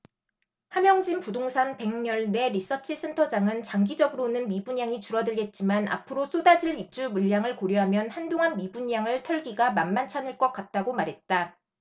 함영진 부동산 백 열 네 리서치센터장은 장기적으로는 미분양이 줄어들겠지만 앞으로 쏟아질 입주물량을 고려하면 한동안 미분양을 털기가 만만찮을 것 같다고 말했다